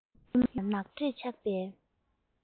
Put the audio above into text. གཡོན མར ནག དྲེག ཆགས པའི